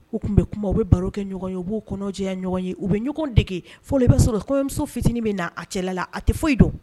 U tun bɛ kuma u bɛ baro kɛ ɲɔgɔn ye b'u kɔnɔjɛya ɲɔgɔn ye u bɛ ɲɔgɔn degege fɔ de bɛ sɔrɔ kɔmuso fitinin min na a cɛla la a tɛ foyi don